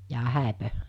jaa häitä